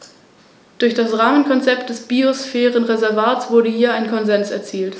Landkreise, Kommunen, Vereine, Verbände, Fachbehörden, die Privatwirtschaft und die Verbraucher sollen hierzu ihren bestmöglichen Beitrag leisten.